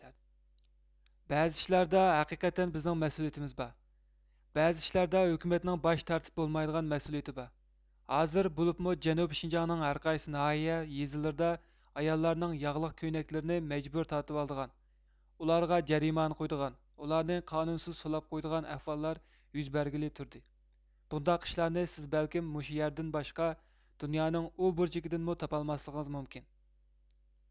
بەزى ئىشلاردا ھەقىقەتەن بىزنڭ مەسئۇلىيتىمىز بار بەزى ئىشلاردا ھۆكۈمەتنڭ باش تارتىپ بولمايدىغان مەسئۇلىيتى بار ھازىر بۇلۇپمۇ جەنۇبى شىنجاڭنىڭ ھەر قايسى ناھىيە يېزىلىردا ئاياللارنڭ ياغلىق كۆينەكلىرنى مەجبۇرى تارتىۋالىدىغان ئۇلارغا جەرىمانە قويىدىغان ئۇلارنى قانۇسىز سولاپ قويىدىغان ئەھۋاللار يۈز بەرگىلى تۇردى بۇنداق ئىشلارنى سىز بەلكىم مۇشۇ يەردىن باشقا دۇنيانىڭ ئۇبۇرجىكىدىنمۇ تاپالماسلقىڭىز مۇمكىن